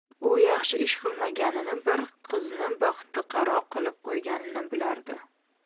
u yaxshi ish qilmaganini bir qizni baxtiqaro qilib qo'yganini bilardi